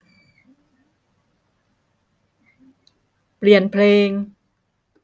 เปลี่ยนเพลง